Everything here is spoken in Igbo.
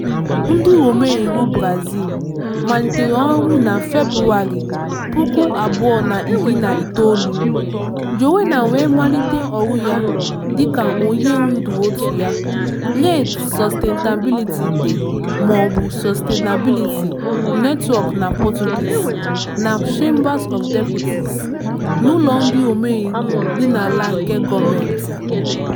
Ndị omeiwu Brazil malitere ọrụ na Febụwarị 2019, Joênia wee malite ọrụ ya dịka onye ndu òtù ya, Rede Sustentabilidade (mọọbụ Sustainability Network na Portuguese),na Chamber of Deputies, n'ụlọ ndị omeiwu dị ala nke gọọmentị.